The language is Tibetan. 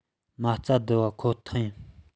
མ རྩ བརྡིབས པ ཁོ ཐག ཡིན